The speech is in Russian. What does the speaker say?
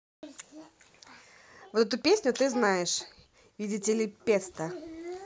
вот эту песню ты знаешь виделители песто